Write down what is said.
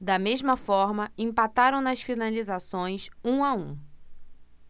da mesma forma empataram nas finalizações um a um